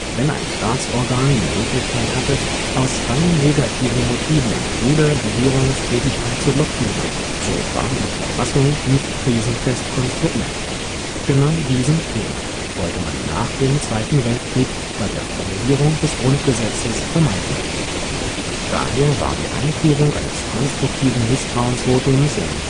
Wenn ein Staatsorgan die Möglichkeit hatte, aus rein negativen Motiven jede Regierungstätigkeit zu blockieren, so war die Verfassung nicht krisenfest konstruiert. Genau diesen Fehler wollte man nach dem Zweiten Weltkrieg bei der Formulierung des Grundgesetzes vermeiden. Daher war die Einführung eines konstruktiven Misstrauensvotums im